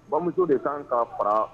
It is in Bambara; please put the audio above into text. Bamuso de kan ka fara